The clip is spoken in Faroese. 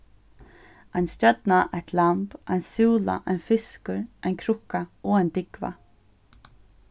ein stjørna eitt lamb ein súla ein fiskur ein krukka og ein dúgva